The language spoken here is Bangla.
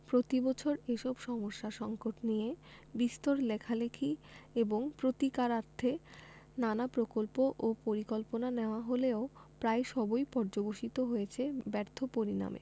প্রতিবছর এসব সমস্যা সঙ্কট নিয়ে বিস্তর লেখালেখি এবং প্রতিকারার্থে নানা প্রকল্প ও পরিকল্পনা নেয়া হলেও প্রায় সবই পর্যবসিত হয়েছে ব্যর্থ পরিণামে